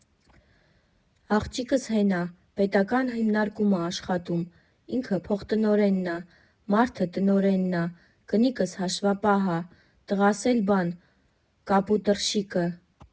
Աղջիկս հեն ա պետական հիմնարկում ա աշխատում, ինքը փոխտնօրենն ա, մարդը տնօրենն ա, կնիկս հաշվապահ ա, տղաս էլ բան՝ կապուտռշիկը։